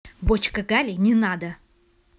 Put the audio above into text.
бочко гали не надо